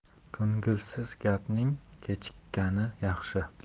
ko'ngilsiz gapning kechikkani yaxshi